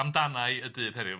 'Amdanai y dydd heddiw.'